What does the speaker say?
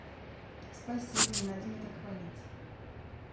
спасибо не надо так меня хвалить